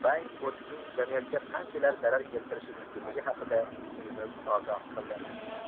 bang o'tning jamiyatga qanchalar zarar keltirishi mumkinligi haqida kuyunib ogoh qildi